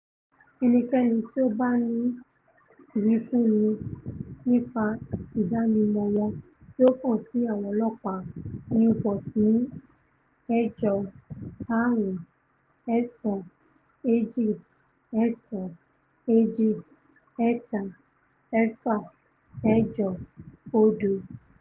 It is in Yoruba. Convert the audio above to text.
Ẹnikẹ́ni tí ó bání ìwífúnni nípa ìdánimọ̀ wọn kí ó kàn sí àwọn ọlọ́ọ̀pá Newport ní 859-292-3680.